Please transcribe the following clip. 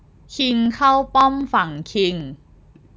คิงเข้าป้อมฝั่งคิง